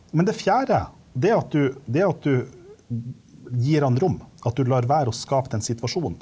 men det fjerde, det er at du det er at du gir han rom, at du lar være å skape den situasjonen.